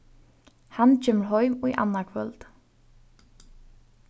hann kemur heim í annaðkvøld